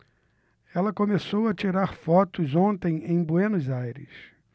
ela começou a tirar fotos ontem em buenos aires